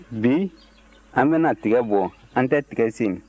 bi an bɛna tiga bɔ an tɛ tiga sen